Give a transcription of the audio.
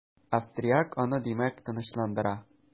Австрияк аны димәк, тынычландыра.